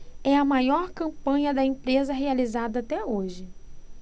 é a maior campanha da empresa realizada até hoje